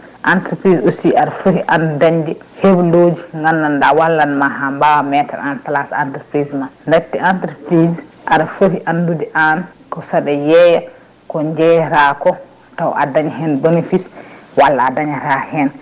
entreprise aussi aɗa foti dañde hebloji gandanɗa wallatma ha mbawa mettre en place entreprise dakhte entreprise aɗa foti andude an ko saɗa yeeya ko jeeyatako taw aɗa daña hen bénéfice walla a dañata hen